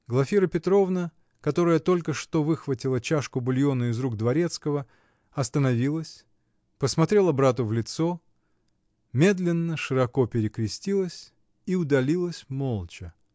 Глафира Петровна, которая только что выхватила чашку бульону из рук дворецкого, остановилась, посмотрела брату в лицо, медленно, широко перекрестилась и удалилась молча